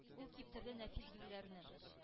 Ул киптерде нәфис гөлләрне,